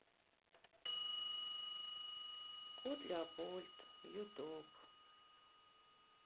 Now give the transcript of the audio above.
кот леопольд ютуб